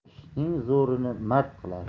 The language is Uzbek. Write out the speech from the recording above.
ishning zo'rini mard qilar